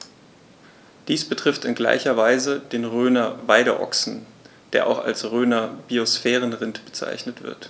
Dies betrifft in gleicher Weise den Rhöner Weideochsen, der auch als Rhöner Biosphärenrind bezeichnet wird.